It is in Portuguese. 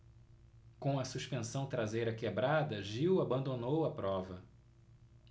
com a suspensão traseira quebrada gil abandonou a prova